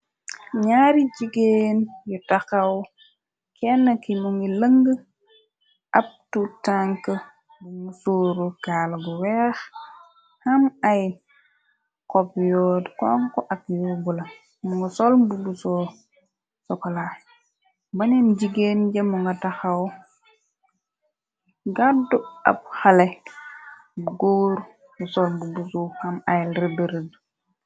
Nyaari jigéen yu taxaw kenne ki mu ngi lëng ab tutànka bu mu sooru kaal bu weex ham ay kob yood konko ak yobbu la mu nga sol bu buso sokola beneen jigéen jëmu nga taxaw gàddu ab xale bu góor bu sol bu buso xam ay rederëde.